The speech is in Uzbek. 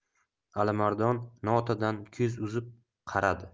alimardon notadan ko'z uzib qaradi